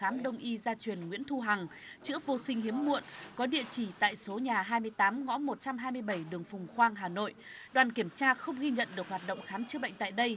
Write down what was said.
khám đông y gia truyền nguyễn thu hằng chữa vô sinh hiếm muộn có địa chỉ tại số nhà hai tám ngõ một trăm hai mươi bảy đường phùng khoang hà nội đoàn kiểm tra không ghi nhận được hoạt động khám chữa bệnh tại đây